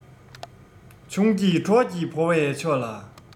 ཆུང སྐྱེས གྲོགས ཀྱིས བོར བའི ཕྱོགས ལ